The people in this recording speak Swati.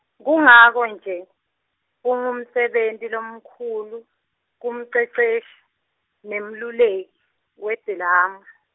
Kungako-nje kungumsebenti lomkhulu kumceceshi nemeluleki wedrama.